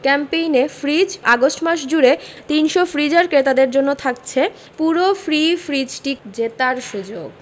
ক্যাম্পেইনে fridge August মাস জুড়ে ৩০০ ফ্রিজার ক্রেতাদের জন্য থাকছে পুরো ফ্রি ফ্রিজটি জেতার সুযোগ